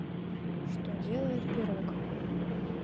что делает пирог